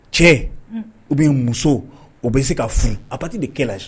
Cɛ ou bien muso o bɛ se ka furu à partir de quelle âge